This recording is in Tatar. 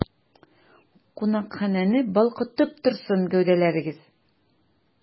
Кунакханәне балкытып торсын гәүдәләрегез!